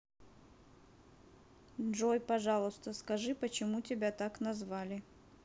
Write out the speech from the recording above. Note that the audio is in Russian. джой пожалуйста скажи почему тебя так назвали